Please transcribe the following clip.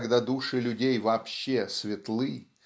когда души людей вообще светлы